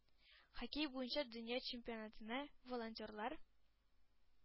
Хоккей буенча дөнья чемпионатына волонтерлар